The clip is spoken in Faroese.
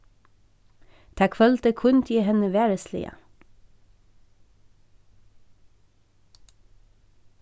tað kvøldið kíndi eg henni varisliga